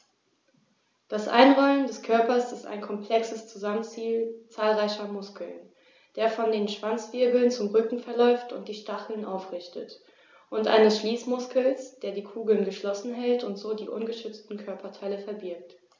Das Einrollen des Körpers ist ein komplexes Zusammenspiel zahlreicher Muskeln, der von den Schwanzwirbeln zum Rücken verläuft und die Stacheln aufrichtet, und eines Schließmuskels, der die Kugel geschlossen hält und so die ungeschützten Körperteile verbirgt.